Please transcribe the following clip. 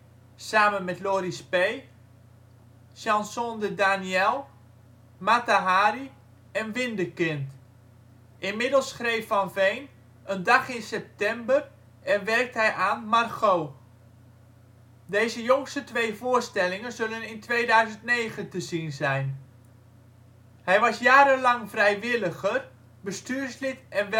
samen met Lori Spee), Chanson de Daniël, Mata Hari en Windekind. Inmiddels schreef Van Veen Een Dag in September en werkt hij aan Margot. Deze jongste twee voorstellingen zullen in 2009 te zien zijn. Hij was jarenlang vrijwilliger, bestuurslid en welwillendheids-ambassadeur